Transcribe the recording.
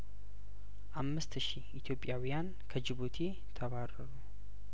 አምስት ሺ ኢትዮጵያውያን ከጅቡቲ ተባረሩ